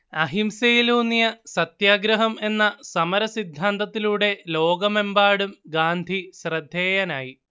അഹിംസയിലൂന്നിയ സത്യാഗ്രഹം എന്ന സമര സിദ്ധാന്തത്തിലൂടെ ലോകമെമ്പാടും ഗാന്ധി ശ്രദ്ധേയനായി